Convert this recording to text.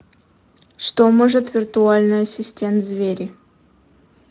что может виртуальный ассистент звери